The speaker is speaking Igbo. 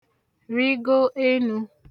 rịgo enū